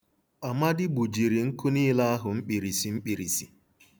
Amadị gbujiri nkụ niile ahụ mkpirisi mkpirisi.